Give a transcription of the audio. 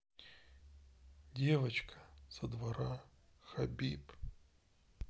девчонка со двора хабиб